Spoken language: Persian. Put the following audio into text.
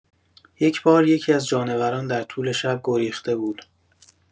یک‌بار یکی‌از جانوران در طول شب گریخته بود.